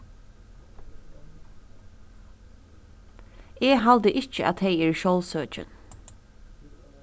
eg haldi ikki at tey eru sjálvsøkin